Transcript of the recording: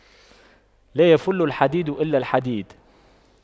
لا يَفُلُّ الحديد إلا الحديد